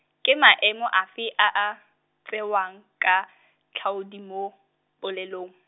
ke maemo a fe a a, tsewang, ka , tlhaodi mo, polelong?